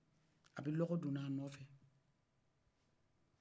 a bɛ lɔgɔ doni a nɔfɛ